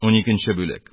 Уникенче бүлек